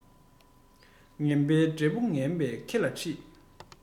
བཟང པོ འོངས པའི རྗེས ལ གཏམ བཟང ཡོད